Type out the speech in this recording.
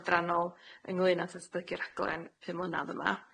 adrannol ynglŷn at ddatblygu rhaglen pum mlynadd yma.